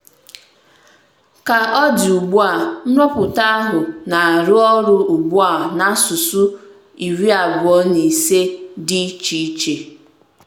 Ka ọ dị ugbu a, nrụpụta ahụ na-arụ ọrụ ugbu a n'asụsụ 25 dị iche iche.